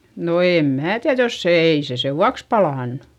no en minä tiedä jos se ei se sen vuoksi palanut